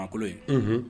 Mɔgolo ye